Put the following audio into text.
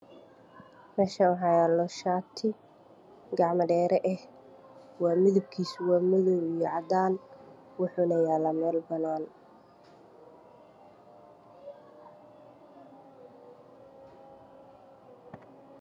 Meeshani waxa yaalo shaati gacmo dheere ah midabkiisu waa madaw iyo cadaan wuxuna yaalaa meelbanaan